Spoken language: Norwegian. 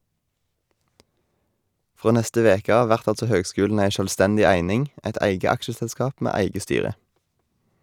Frå neste veke av vert altså høgskulen ei sjølvstendig eining, eit eige aksjeselskap med eige styre.